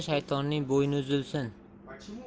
shaytonning bo'yni uzilsin